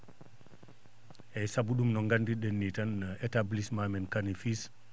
eeyi sabu ?um no nganndir?en nii tan établissement men Kane et fils